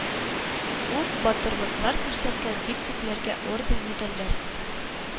Ук батырлыклар күрсәткән бик күпләргә орден-медальләр